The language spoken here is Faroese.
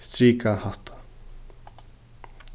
strika hatta